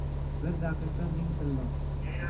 bir daqiqa ming tillo